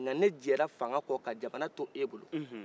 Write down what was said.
nka ne jɛra fangan kɔ ka jamana to e bolo